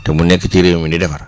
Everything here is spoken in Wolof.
te mu nekk ci réew mi di defar